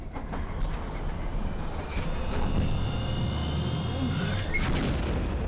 когда умрет берта